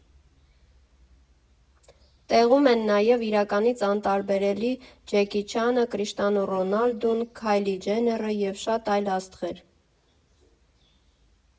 Տեղում են նաև իրականից անտարբերելի Ջեկի Չանը, Կրիշտիանու Ռոնալդուն, Քայլի Ջենները և շատ այլ աստղեր։